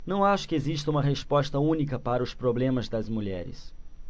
não acho que exista uma resposta única para os problemas das mulheres